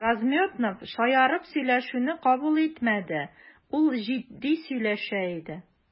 Размётнов шаяртып сөйләшүне кабул итмәде, ул җитди сөйләшә иде.